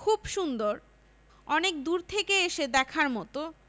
খুব সুন্দর অনেক দূর থেকে এসে দেখার মতো